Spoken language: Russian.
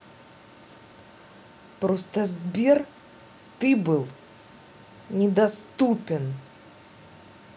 просто сбер ты был недоступен